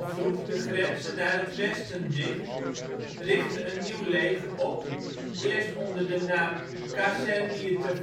vroeg de grenzen naar het Westen dicht, richtte een nieuw leger op (eerst onder de naam Kasernierte